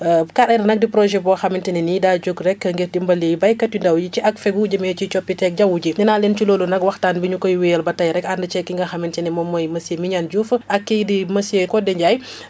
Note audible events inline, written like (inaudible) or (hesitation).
(hesitation) 4R nag di projet boo xamante ne nii daa jóg rek ngir dimbali béykat yu ndaw yi ci ag fegu jëmee ci coppiteg jaww ji nee naa leen ci loolu nag waxtaan bi ñu koy wéyal ba tey rek ànd ceeg ki nga xamant ni moom mooy monsieur Mignane Diouf ak kii di monsieur Codé Ndiaye (breath)